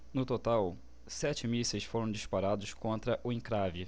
no total sete mísseis foram disparados contra o encrave